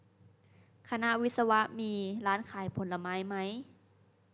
คณะวิศวะมีร้านขายผลไม้ไหม